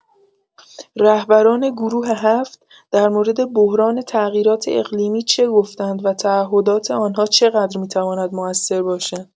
رهبران گروه هفت در مورد بحران تغییرات اقلیمی چه گفتند و تعهدات آنها چقدر می‌تواند موثر باشد؟